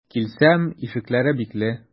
Килсәм, ишекләре бикле.